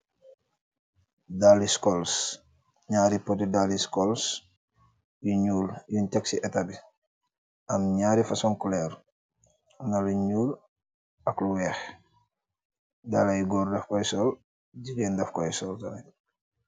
Daali scouls naari poti daali scols yu nuul yun taksi eta bi am naari fason colur amna lu nuul ak lu weex dalay goor daf koy sol jigeen daf koy sol.